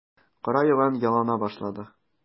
Кара елан ялына башлады.